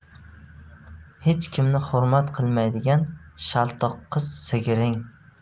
hech kimni hurmat qilmaydigan shaltoq qiz sigiring